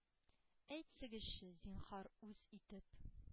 Әйтсәгезче, зинһар, үз итеп,